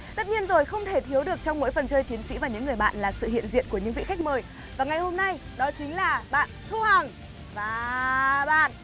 tất nhiên rồi không thể thiếu được trong mỗi phần chơi chiến sĩ và những người bạn là sự hiện diện của những vị khách mời và ngày hôm nay đó chính là bạn thu hằng và bạn